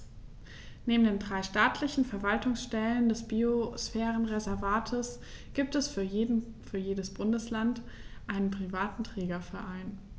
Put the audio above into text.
Neben den drei staatlichen Verwaltungsstellen des Biosphärenreservates gibt es für jedes Bundesland einen privaten Trägerverein.